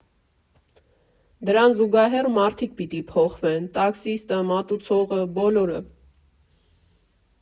Դրան զուգահեռ մարդիկ պիտի փոխվեն՝ տաքսիստը, մատուցողը, բոլորը։